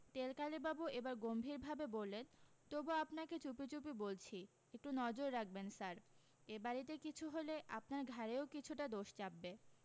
তেলকালিবাবু এবার গম্ভীরভাবে বললেন তবু আপনাকে চুপি চুপি বলছি একটু নজর রাখবেন স্যার এবাড়িতে কিছু হলে আপনার ঘাড়েও কিছুটা দোষ চাপবে